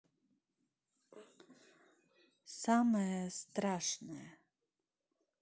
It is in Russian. самое страшное